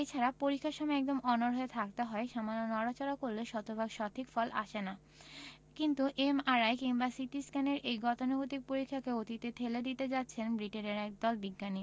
এছাড়া পরীক্ষার সময় একদম অনড় হয়ে থাকতে হয় সামান্য নড়াচড়া করলে শতভাগ সঠিক ফল আসে না কিন্তু এমআরআই কিংবা সিটিস্ক্যানের এই গতানুগতিক পরীক্ষাকে অতীতে ঠেলে দিতে যাচ্ছেন ব্রিটেনের একদল বিজ্ঞানী